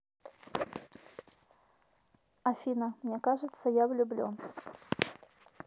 афина мне кажется я влюблен